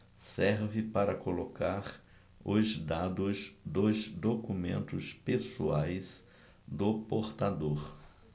serve para colocar os dados dos documentos pessoais do portador